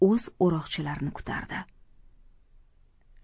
o'z o'roqchilarini kutardi